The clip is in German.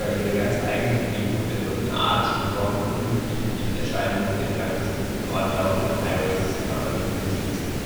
ihre ganz eigene Begegnung der dritten Art, in Form von unüblichen Lichterscheinungen entlang des durch den Ort laufenden Highway 375